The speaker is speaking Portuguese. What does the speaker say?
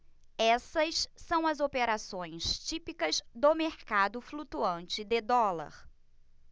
essas são as operações típicas do mercado flutuante de dólar